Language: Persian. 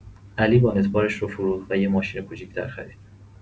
علی وانت‌بارش رو فروخت و یه ماشین کوچیک‌تر خرید.